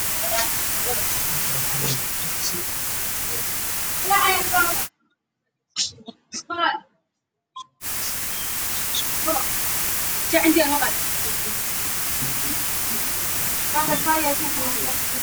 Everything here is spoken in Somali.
Waa jibsi iyo cuno kale oo weel kujiro